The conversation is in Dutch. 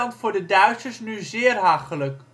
voor de Duitsers nu zeer hachelijk